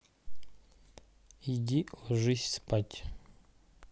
иди ложись спать